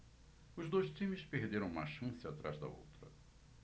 os dois times perderam uma chance atrás da outra